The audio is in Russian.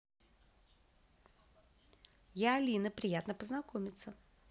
я алина приятно познакомиться